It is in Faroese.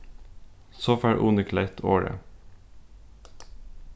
so fær uni klett orðið